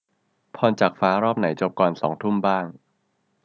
พรจากฟ้ารอบไหนจบก่อนสองทุ่มบ้าง